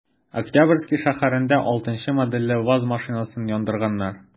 Октябрьский шәһәрендә 6 нчы модельле ваз машинасын яндырганнар.